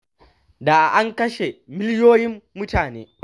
Da an kashe miliyoyin mutane.